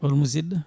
hol musidɗo